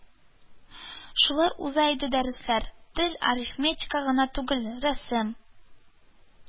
Шулай уза иде дәресләр: тел, арифметика гына түгел, рәсем